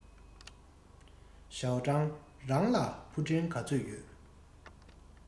ཞའོ ཀྲང རང ལ ཕུ འདྲེན ག ཚོད ཡོད